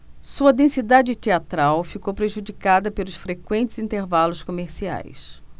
sua densidade teatral ficou prejudicada pelos frequentes intervalos comerciais